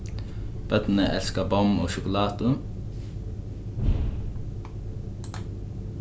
børnini elska bomm og sjokulátu